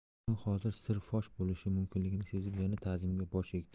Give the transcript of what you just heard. u hozir siri fosh bo'lishi mumkinligini sezib yana tazimga bosh egdi